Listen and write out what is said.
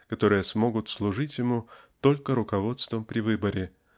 которые смогут служить ему только руководством при выборе